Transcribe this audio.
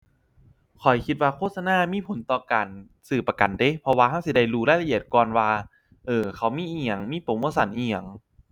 ข้อยคิดว่าโฆษณามีผลต่อการซื้อประกันเดะเพราะว่าเราสิได้รู้รายละเอียดก่อนว่า เอ้อ เขามีอิหยังมีโปรโมชันอิหยัง